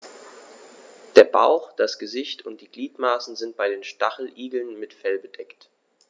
Der Bauch, das Gesicht und die Gliedmaßen sind bei den Stacheligeln mit Fell bedeckt.